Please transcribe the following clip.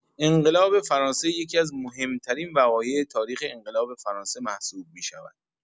انقلاب فرانسه یکی‌از مهم‌ترین وقایع تاریخ انقلاب فرانسه محسوب می‌شود.